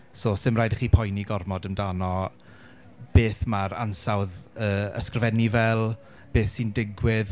So 'sdim rhaid i chi poeni gormod amdano beth mae'r ansawdd yy ysgrifennu fel, beth sy'n digwydd.